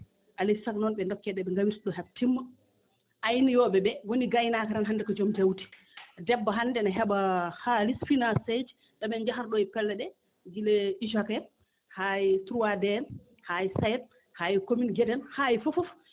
alaa e sago noon ɓe ndokkee ɗo ɓe ndawirta ɗoo haa timma aynoyooɓe ɓee woni gaynaaka tan hannde ko jom jawdi debbo hannde ne heɓa haaliss finance eeje ɗo men njahata ɗoo e pelleɗe gila ISOC haa e trois D en haa e SAED haa e commune Guédé en haa e fof fof